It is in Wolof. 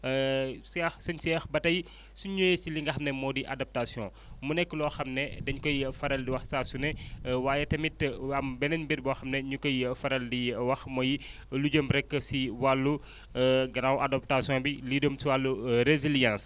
Cheikh sëñ Cheikh ba tey su ñu ñëwee si li nga xam ne moo di adaptation mu nekk loo xam ne dañ koy faral di wax saa su ne waaye tamit am beneen mbir booxam ne ñu ngi koy faral di wax muy lu jëm rek si wàllu gannaaw adaptation bi lu jëm si wàllu résilience